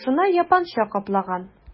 Башына япанча каплаган...